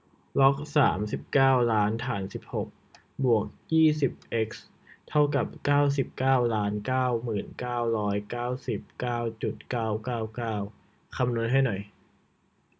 ล็อกสามสิบเก้าล้านฐานสิบหกบวกยี่สิบเอ็กซ์เท่ากับเก้าสิบเก้าล้านเก้าหมื่นเก้าร้อยเก้าสิบเก้าจุดเก้าเก้าเก้าคำนวณให้หน่อย